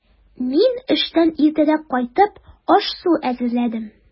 Мин, эштән иртәрәк кайтып, аш-су әзерләдем.